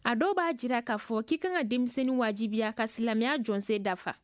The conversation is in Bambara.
a dɔw b'a jira k'a fɔ k'i ka kan ka denmisɛnninw wajibiya ka silamɛya jɔsen dafa